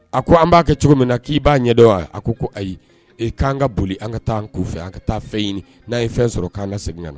A ko an b'a kɛ cogo min na, k'i b'a ɲɛ dɔn wa? A ko ko Ayi.Ee k'an ka boli, an ka taa kun fɛ, an ka taa fɛn ɲini, n'an ye fɛn sɔrɔ k'an ka segin na.